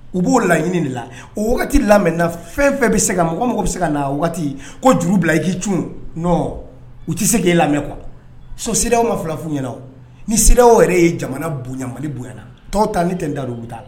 U b'o laɲini de la o waati wagati lamɛn na fɛn fɛn bɛ se ka mɔgɔ mɔgɔ bɛ se ka na waati ko juru bila ji cun u tɛ se k'i lamɛn kuwa so sew ma fila fu ɲɛna ni seraw yɛrɛ ye jamana bonyayan mali bonyayanana tɔw ta ni tɛ da u bɛ taa la